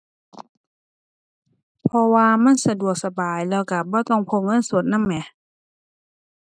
เพราะว่ามันสะดวกสบาย แล้วก็บ่ต้องพกเงินสดนำแหม